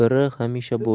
biri hamisha bo'sh